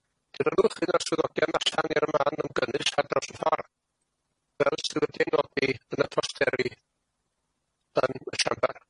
dilynwch un o'r swyddogion allan i'r man ymgynull ar draws y ffor, fel sydd wedi ei nodi yn y posteri yn y siambr.